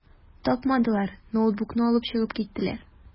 Тапмадылар, ноутбукны алып чыгып киттеләр.